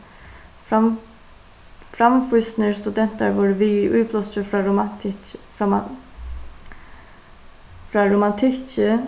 framfýsnir studentar vóru við í íblástri frá frá romantikki